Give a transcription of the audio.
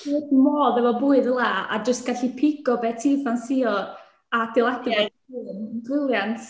Dwi wrth fy modd efo bwyd fela a jyst gallu pigo be ti ffansïo, a adeiladu fo... ie. ...dy hun. Briliant!